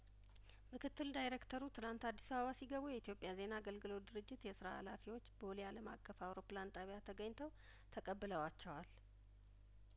ምክትል ዳይሬክተሩ ትናንት አዲስ አበባ ሲገቡ የኢትዮጵያ ዜና አገልግሎት ድርጅት የስራ ሀላፈዎች ቦሌ አለም አቀፍ አውሮፕላን ጣቢያ ተገኝተው ተቀብለዋቸዋል